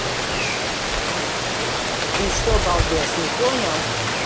ты что балбес не понял